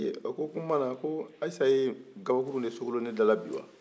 a ko o tuma na ayisa ye gabakurun de sogolon ne dala bi wa